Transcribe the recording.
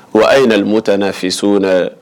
Wa aynal mutanaafisuna?